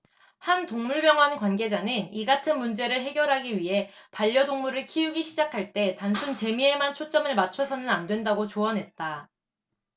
한 동물병원 관계자는 이같은 문제를 해결하기 위해 반려동물을 키우기 시작할 때 단순 재미에만 초점을 맞춰서는 안된다고 조언했다